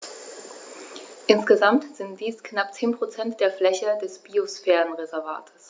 Insgesamt sind dies knapp 10 % der Fläche des Biosphärenreservates.